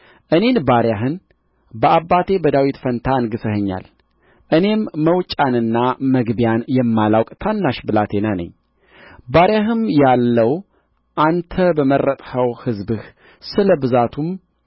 እኔን ባሪያህን በአባቴ በዳዊት ፋንታ አንግሠኸኛል እኔም መውጫንና መግቢያን የማላውቅ ታናሽ ብላቴና ነኝ ባሪያህም ያለው አንተ በመረጥኸው ሕዝብህ ስለ ብዛቱም